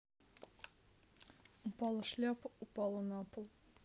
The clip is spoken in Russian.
упала шляпа упала на пол